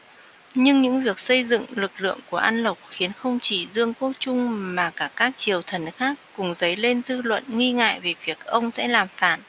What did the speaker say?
nhưng những việc xây dựng lực lượng của an lộc khiến không chỉ dương quốc trung mà cả các triều thần khác cùng dấy lên dư luận nghi ngại về việc ông sẽ làm phản